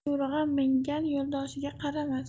yo'rg'a mingan yo'ldoshiga qaramas